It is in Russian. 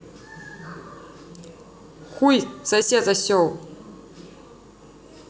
хуй сосед осел